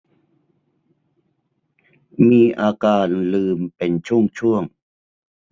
มีอาการลืมเป็นช่วงช่วง